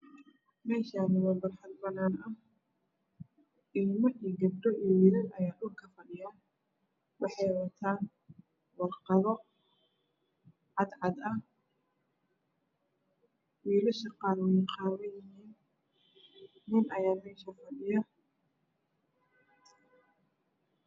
Meeshaan waa barxad banaan ah niman iyo gabdho iyo wiilal ayaa dhulka fadhiya waxay wataan warqado cadcad ah. Wiilasha qaar waa qaawan yihiin. Nin ayaa meesha fadhiya.